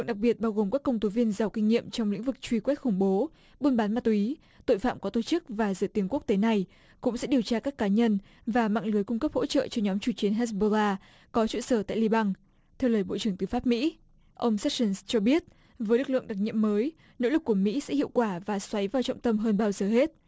đặc biệt bao gồm các công tố viên giàu kinh nghiệm trong lĩnh vực truy quét khủng bố buôn bán ma túy tội phạm có tổ chức và rửa tiền quốc tế này cũng sẽ điều tra các cá nhân và mạng lưới cung cấp hỗ trợ cho nhóm chủ chiến hét bô la có trụ sở tại li băng theo lời bộ trưởng tư pháp mỹ ông séc sừn cho biết với lực lượng đặc nhiệm mới nỗ lực của mỹ sẽ hiệu quả và xoáy vào trọng tâm hơn bao giờ hết